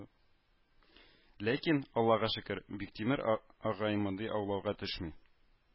Ләкин, Аллага шөкер, Биктимер а агай мондый аулауга төшми да